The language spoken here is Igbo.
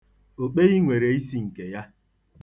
Okpei nwere isi nke ya.